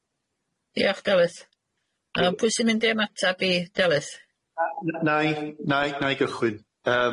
Diolch Delyth yy pwy sy'n mynd i ymateb i Delyth? Yy n- n- nai nai nai gychwyn yym.